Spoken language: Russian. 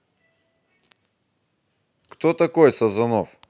кто такой сазонов